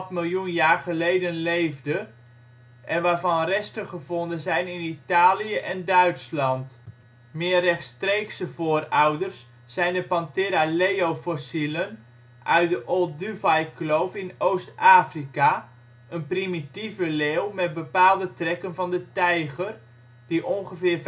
miljoen jaar geleden leefde en waarvan resten gevonden zijn in Italië en Duitsland. Meer rechtstreekse voorouders zijn de Panthera leo fossielen uit de Olduvai-kloof in Oost-Afrika, een primitieve leeuw met bepaalde trekken van de tijger, die ongeveer